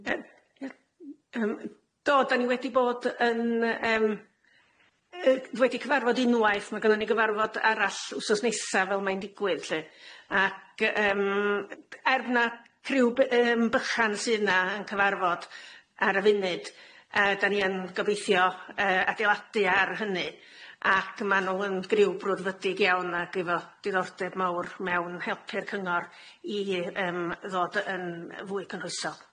Yyy yym do deni wedi bod yn yym y- wedi cyfarfod unwaith mae gennyn ni gyfarfod arall wsnos nesa fel main diwgydd 'lly ac ymm er na' criw y- bychan sydd 'na yn cyfarfod ar y funud y- deni yn gobeithio adeiladu ar hynny ac mae nhw'n grwp brwdfrydig iawn ac efo diddordeb mowr mewn helpu'r cyngor i ymm ddod yn fwy cymhwysol